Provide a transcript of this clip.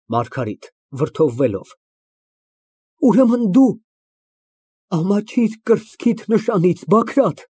ՄԱՐԳԱՐԻՏ ֊ (Վրդովվելով) Ուրեմն դո՞ւ… Ամաչիր կրծքիդ նշանից, Բագրատ։